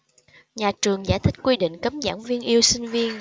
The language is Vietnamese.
nhà trường giải thích quy định cấm giảng viên yêu sinh viên